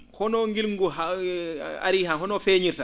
hono ngilngu gu ha ari han hono feeñirta